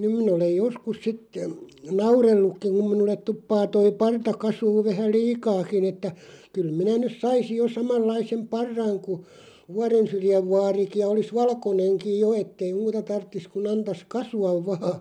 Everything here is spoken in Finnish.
nyt minä olen joskus sitten nauranutkin kun minulle tuppaa tuo parta kasvamaan vähän liikaakin että kyllä minä nyt saisin jo samanlaisen parran kuin Vuorensyrjän vaarikin ja olisi valkoinenkin jo että ei muuta tarvitsisi kuin antaisi kasvaa vain